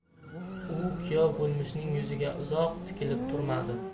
u kuyov bo'lmishning yuziga uzoq tikilib turmadi